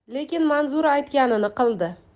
lekin manzura aytganini qildi